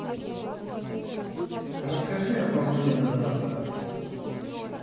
расскажи о погоде на завтра